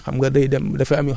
dafa mel ni togg la